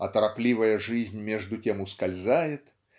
а торопливая жизнь между тем ускользает